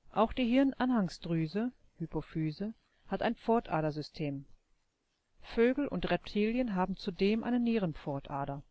Auch die Hirnanhangsdrüse (Hypophyse) hat ein Pfortadersystem. Vögel und Reptilien haben zudem eine Nierenpfortader